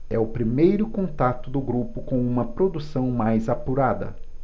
é o primeiro contato do grupo com uma produção mais apurada